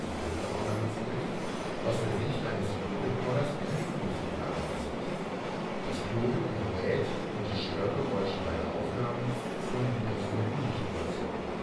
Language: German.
Bilder “(Frames) organisiert – aus der Sicht eines Videorekorders wie ein Videosignal aussieht. Das klobige Gerät und die Störgeräusche bei der Aufnahme konnten die Konsumenten nicht überzeugen